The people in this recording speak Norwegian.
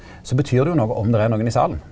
så betyr det jo noko om der er nokon i salen.